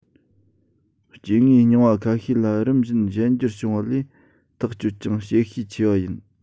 སྐྱེ དངོས རྙིང བ ཁ ཤས ལ རིམ བཞིན གཞན འགྱུར བྱུང བ ལས ཐག གཅོད ཀྱང བྱེད ཤས ཆེ བ ཡིན